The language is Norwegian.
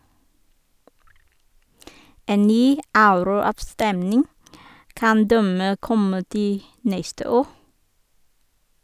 En ny euroavstemning kan dermed komme til neste år.